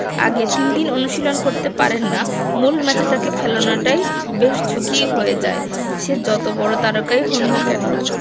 আগে তিন দিন অনুশীলন করতে পারেন না মূল ম্যাচে তাঁকে খেলানোটা বেশ বড় ঝুঁকিই হয়ে যায় সে যত বড় তারকাই হোন না কেন